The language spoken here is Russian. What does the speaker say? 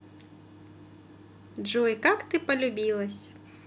джой как ты полюбилась